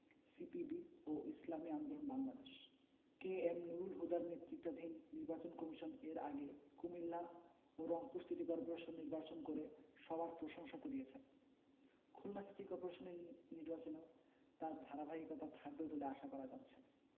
CPB ও Islami Andolan Bangladesh K M Nurul হুদার নেতৃত্বাধীন নির্বাচন কমিশন এর আগে কুমিল্লা ও রংপুর সিটি করপোরেশন নির্বাচন করে সবার প্রশংসা কুড়িয়েছে খুলনা সিটি করপোরেশন নির্বাচনেও তার ধারাবাহিকতা থাকবে বলে আশা করা যাচ্ছে